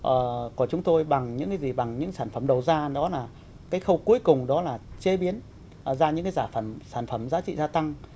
ờ của chúng tôi bằng những cái gì bằng những sản phẩm đầu ra đó là cái khâu cuối cùng đó là chế biến ra những sản phẩm sản phẩm giá trị gia tăng